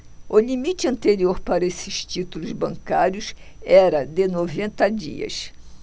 o limite anterior para estes títulos bancários era de noventa dias